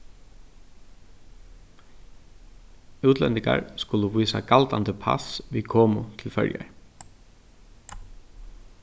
útlendingar skulu vísa galdandi pass við komu til føroyar